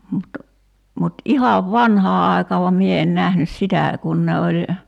mutta mutta ihan vanhaan aikaan vaan minä en nähnyt sitä kun ne oli